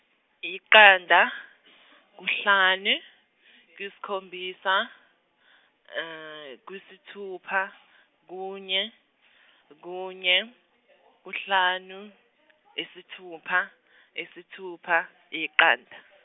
yiqanda, kuhlanu, kuyisikhombisa, kuyisithupha, kunye, kunye , kuhlanu , isithupha, isithupha, iqanda.